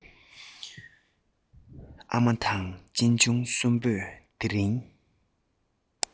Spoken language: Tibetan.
ཨ མ དང གཅེན གཅུང གསུམ པོས དེ རིང